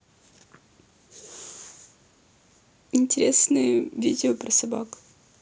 интересные видео про собак